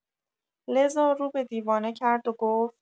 لذا رو به دیوانه کرد و گفت